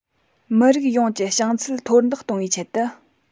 མི རིགས ཡོངས ཀྱི བྱང ཚད མཐོར འདེགས གཏོང བའི ཆེད དུ